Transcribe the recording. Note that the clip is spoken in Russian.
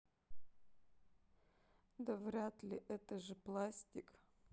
да вряд ли это же пластик